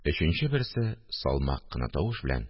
Өченче берсе салмак кына тавыш белән